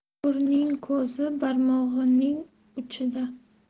ko'rning ko'zi barmog'ining uchida